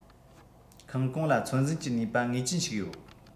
ཁང གོང ལ ཚོད འཛིན གྱི ནུས པ ངེས ཅན ཞིག ཡོད